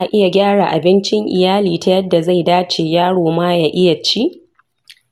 za a iya gyara abincin iyali ta yadda zai dace yaro ma ya iya ci.